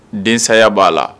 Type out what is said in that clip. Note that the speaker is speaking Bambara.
Denya b'a la